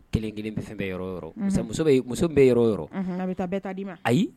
Kelen kelen bɛ fɛn bɛɛ yɔrɔ o yɔrɔ, unhun, muso min bɛ yɔrɔ o yɔrɔ , unhun, a bɛ taa bɛ ta di, ayi!